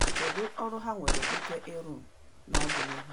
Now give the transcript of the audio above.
Kedu ọrụ ha nwere ike ịrụ n'ọdịnihu?